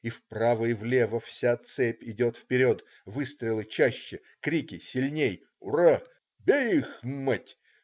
И вправо и влево, вся цепь идет вперед, выстрелы чаще. крики сильней. "Ура!. Бей их. мать!